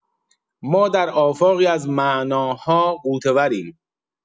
ما در آفاقی از معناها غوطه‌وریم.